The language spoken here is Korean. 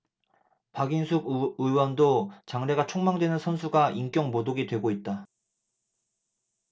박인숙 의원도 장래가 촉망되는 선수가 인격모독이 되고 있다